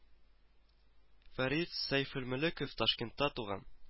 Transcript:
Фәрит Сәйфелмөлеков Ташкентта туган